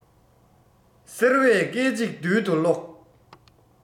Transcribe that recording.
སེར བས སྐད ཅིག རྡུལ དུ རློག